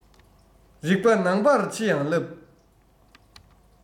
རིག པ ནང པར འཆི ཡང བསླབ